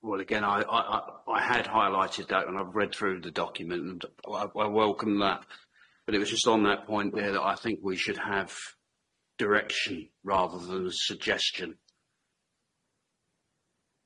Right wel- wel again I I I I had highlighted that and I've read through the document and I welcome that but it was just on that point there that I think we should have direction rather than a suggestion.